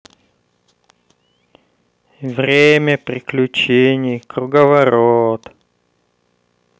время приключений круговорот